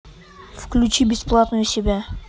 включи бесплатную себя